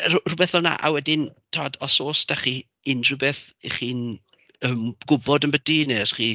Rhw- rhywbeth fel 'na a wedyn, timod os oes 'da chi unrhyw beth 'y chi yn gwybod ambiti neu os chi...